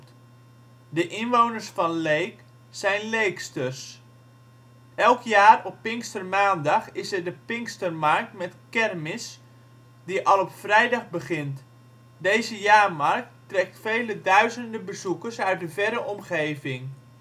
inwoners van Leek zijn Leeksters. Elk jaar op pinkstermaandag is er de Pinkstermarkt met kermis die al op vrijdag begint. Deze jaarmarkt trekt vele duizenden bezoekers uit de verre omgeving